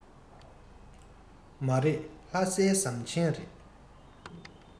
མ རེད ལྷ སའི ཟམ ཆེན རེད